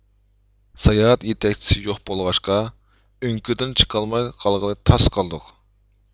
ساياھەت يېتىكچىسى يوق بولغاچقا ئۆڭكۈردىن چىقالماي قالغىلى تاس قالدۇق